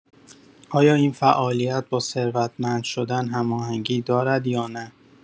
آیا این فعالیت با ثروتمند شدن هماهنگی دارد یا نه؟